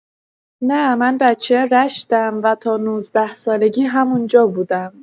نه، من بچه رشت‌ام و تا نوزده‌سالگی همون‌جا بودم.